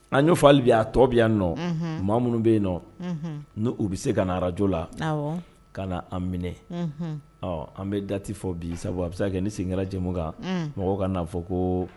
An y'o fɔ hali bi a tɔ bi yan nin nɔ, unhun, ni maa minnu bɛ yen n'u bɛ se ka na radio la, Awɔ, ka na a minɛ , unhun, , ɔ ,an bɛ date fɔ bi sabu a bɛ se ka kɛ ne seginna jɛmukan kan, unhu, mɔgɔw ka na n'fɔ ko